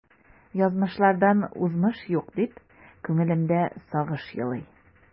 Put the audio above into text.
Язмышлардан узмыш юк, дип күңелемдә сагыш елый.